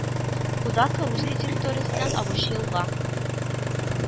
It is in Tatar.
Кудако Русия территориясеннән агучы елга